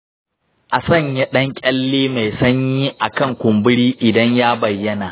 a sanya ɗan kyalle mai sanyi a kan kumburi idan ya bayyana.